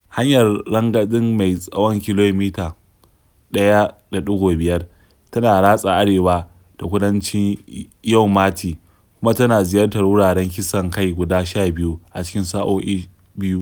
Hanyar rangadin mai tsawon kilomita 1.5 tana ratsa arewa da kudancin Yau Ma Tei, kuma tana ziyartar wuraren kisan kai guda 12 a cikin sa'o'i biyu.